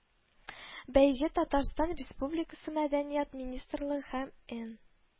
Бәйге Татарстан Республикасы Мәдәният министрлыгы һәм эН